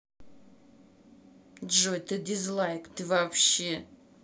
джой это дизлайк ты вообще